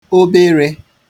obere